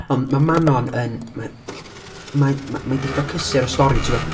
Ond ma' Manon yn, ma- ma- ma hi 'di ffocysu ar y stori, tibod?